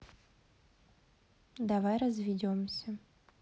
давай разведемся